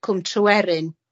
Cwm Tryweryn.